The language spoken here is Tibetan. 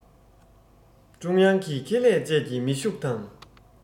ཀྲུང དབྱང གི ཁེ ལས བཅས ཀྱིས མི ཤུགས དང